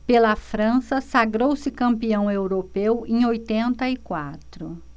pela frança sagrou-se campeão europeu em oitenta e quatro